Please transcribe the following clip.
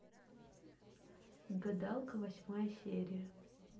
гадалка восьмая серия